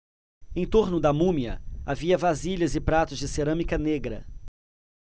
em torno da múmia havia vasilhas e pratos de cerâmica negra